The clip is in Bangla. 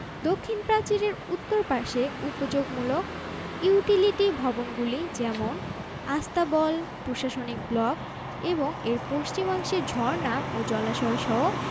দক্ষিণ প্রাচীরের উত্তর পাশে উপযোগমূলক ইউটিলিটিভবনগুলি যেমন আস্তাবল প্রশাসনিক ব্লক এবং এর পশ্চিমাংশে ঝর্ণা ও জলাশয়সহ